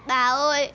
bà ơi